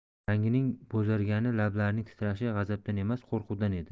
rangining bo'zargani lablarining titrashi g'azabdan emas qo'rquvdan edi